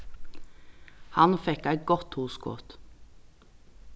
hann fekk eitt gott hugskot